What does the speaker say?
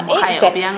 i pertement